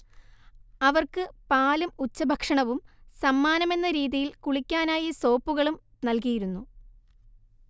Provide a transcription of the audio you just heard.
അവർക്ക് പാലും ഉച്ചഭക്ഷണവും സമ്മാനമെന്ന രീതിയിൽ കുളിക്കാനായി സോപ്പുകളും നൽകിയിരുന്നു